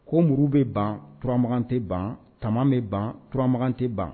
Ko muru bɛ banuramagan tɛ ban tama bɛ ban turamagan tɛ ban